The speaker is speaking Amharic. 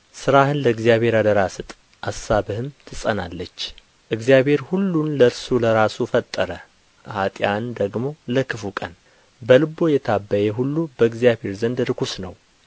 ሥራህን ለእግዚአብሔር አደራ ስጥ አሳብህም ትጸናለች እግዚአብሔር ሁሉን ለእርሱ ለራሱ ፈጠረ ኀጥእን ደግሞ ለክፉ ቀን በልቡ የታበየ ሁሉ በእግዚአብሔር ዘንድ ርኩስ ነው